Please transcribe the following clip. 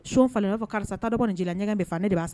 So falen ko karisa ta dɔgɔnin nin jigin ɲɛgɛn min faga b'a